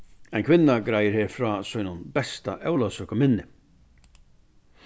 ein kvinna greiðir her frá sínum besta ólavsøkuminni